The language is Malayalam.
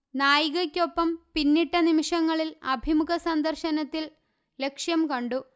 നായികക്കൊപ്പം പിന്നിട്ട നിമിഷങ്ങളില് അഭിമുഖ സന്ദര്ശനത്തില് ലക്ഷ്യം കണ്ടു